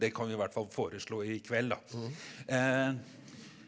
det kan vi i hvert fall foreslå i kveld da .